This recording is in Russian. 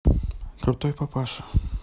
крутой папаша